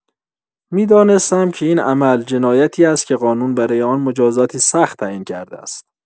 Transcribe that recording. می‌دانستم که این عمل جنایتی است که قانون برای آن مجازاتی سخت تعیین کرده است.